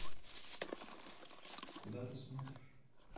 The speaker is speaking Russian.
куда ты смотришь